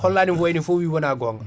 hollanima ko way ni foof wi wona gonga